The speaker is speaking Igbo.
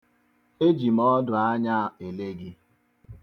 Eji m ọdụanya ele gị.